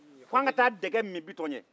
k'an ka taa dɛgɛ min bitɔn ye